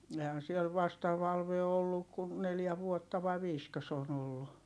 eihän siellä vasta Valve on ollut kuin neljä vuotta vai viisikö se on ollut